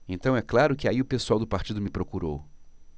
então é claro que aí o pessoal do partido me procurou